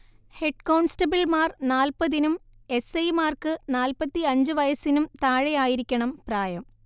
ഹെഡ്കോൺസ്റ്റബിൾമാർ നാല്പതിനും എസ് ഐമാർക്ക് നാല്പത്തിയഞ്ചു വയസ്സിനും താഴെയായിരിക്കണം പ്രായം